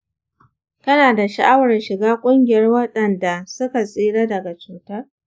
kana da sha'awar shiga kungiyar wadanda suka tsira daga cutar?